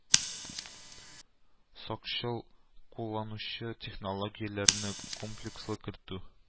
Сакчыл кулланучы технологияләрне комплекслы кертү